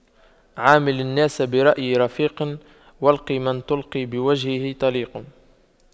عامل الناس برأي رفيق والق من تلقى بوجه طليق